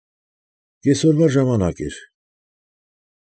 Կեսօրվա ժամանակ էր։